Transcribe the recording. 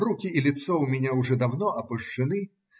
Руки и лицо у меня уже давно обожжены.